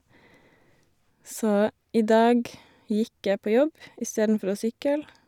Så i dag gikk jeg på jobb istedenfor å sykle.